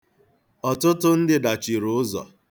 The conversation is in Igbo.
Ọtụtụ ndị dachiri ụzọ.